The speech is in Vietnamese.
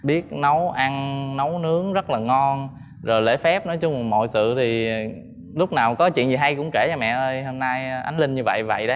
biết nấu ăn nấu nướng rất là ngon rồi lễ phép nói chung mọi sự thì lúc nào có chuyện gì hay cũng kể mẹ ơi hôm nay anh linh như vậy vậy đấy